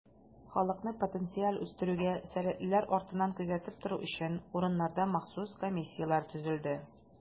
Халыкны потенциаль үстерүгә сәләтлеләр артыннан күзәтеп тору өчен, урыннарда махсус комиссияләр төзелде.